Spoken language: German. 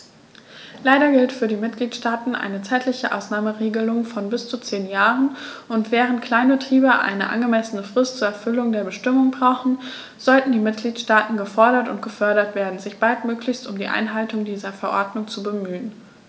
Leider gilt für die Mitgliedstaaten eine zeitliche Ausnahmeregelung von bis zu zehn Jahren, und, während Kleinbetriebe eine angemessene Frist zur Erfüllung der Bestimmungen brauchen, sollten die Mitgliedstaaten gefordert und gefördert werden, sich baldmöglichst um die Einhaltung dieser Verordnung zu bemühen.